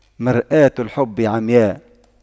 مرآة الحب عمياء